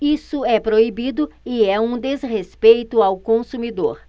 isso é proibido e é um desrespeito ao consumidor